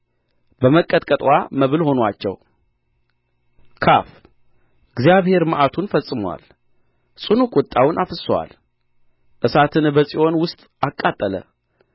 በመቀጥቀጥዋ መብል ሆኑአቸው ካፍ እግዚአብሔር መዓቱን ፈጽሞአል ጽኑ ቍጣውን አፍስሶአል እሳትን በጽዮን ውስጥ አቃጠለ